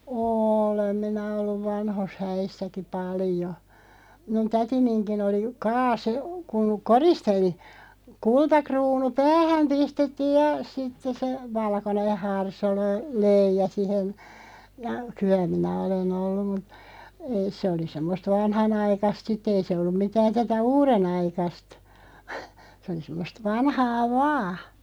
olen minä ollut vanhoissa häissäkin paljon minun tätininkin oli kaaso kun koristeli kultakruunu päähän pistettiin ja sitten se valkoinen - harsolöija siihen ja kyllä minä olen ollut mutta ei se oli semmoista vanhanaikaista sitten ei se ollut mitään tätä uudenaikaista se oli semmoista vanhaa vain